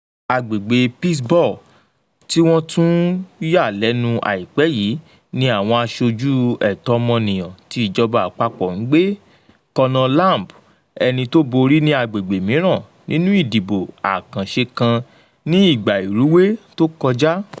Agbègbè Pittsburgh tí wọ́n tún yà lẹ́nu àìpẹ́ yìí ni àwọn Aṣojú Ẹ̀tọ́ Ọmọnìyàn ti ìjọba Àpapọ̀ ń gbé. Conor Lamb - ẹni tó borí ní àgbègbè mìíràn nínú ìdìbò àkànṣe kan ní ìgbà ìrúwé tó kọjá.